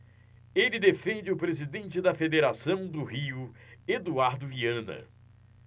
ele defende o presidente da federação do rio eduardo viana